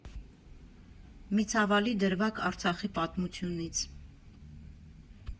Մի ցավալի դրվագ Արցախի պատմությունից։